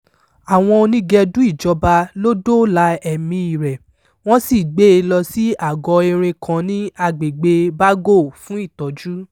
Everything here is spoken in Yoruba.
Àwọn onígẹdú ìjọba ló dóòlà ẹ̀míi rẹ̀, wọ́n sì gbé e lọ sí àgọ́ erin kan ní Agbègbèe Bago fún ìtọ́jú.